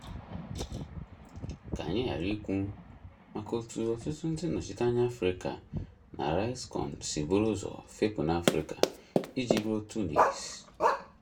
Ka anyị ghara ikwu maka otu ọtụtụ ndị nnọchiteanya Afrịka na RightsCon si buru ụzọ fepụ n'Afrịka, iji ruo Tunis.